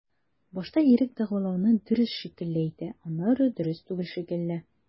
Башта ирек дәгъвалауны дөрес шикелле әйтә, аннары дөрес түгел шикелле.